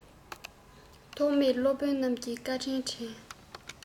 ཐོགས མེད ལོ པཎ རྣམས ཀྱི བཀའ དྲིན དྲན